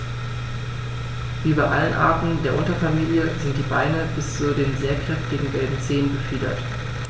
Wie bei allen Arten der Unterfamilie sind die Beine bis zu den sehr kräftigen gelben Zehen befiedert.